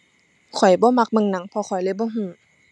ข้อยบ่มักเบิ่งหนัง เพราะข้อยเลยบ่รู้